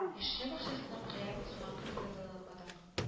Яшелчә бакчасыннан кыяр, суган кертергә дә онытмадык